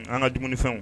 An ka dumunisɔn